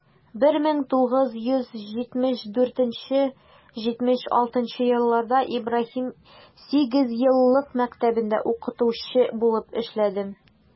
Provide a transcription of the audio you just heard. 1974 - 1976 елларда ибраһим сигезьеллык мәктәбендә укытучы булып эшләдем.